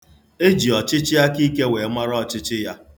E ji ọchịchịakaike wee mara ọchịchị ya.